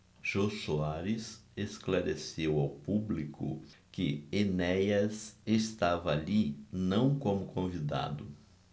jô soares esclareceu ao público que enéas estava ali não como convidado